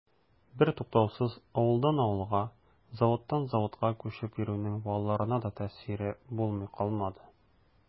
Бертуктаусыз авылдан авылга, заводтан заводка күчеп йөрүнең балаларына да тәэсире булмый калмады.